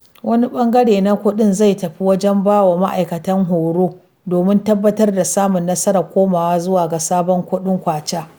Wani ɓangare na kuɗin zai tafi wajen ba wa ma'aikata horo domin tabbatar da samun nasarar komawa zuwa ga sabon kuɗin kwacha.